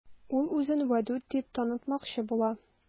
Ул үзен Вәдүт дип танытмакчы була.